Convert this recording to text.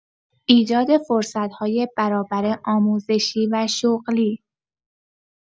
ایجاد فرصت‌های برابر آموزشی و شغلی